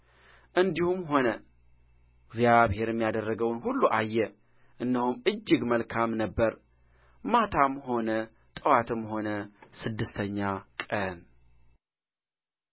እንዲሁም ሆነ እግዚአብሔርም ያደረገውን ሁሉ አየ እነሆም እጅግ መልካም ነበረ ማታም ሆነ ጥዋትም ሆነ ስድስተኛ ቀን